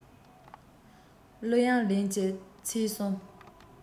གླུ དབྱངས ལེན གྱིན ཚེས གསུམ